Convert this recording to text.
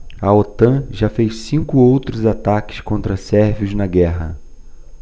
a otan já fez cinco outros ataques contra sérvios na guerra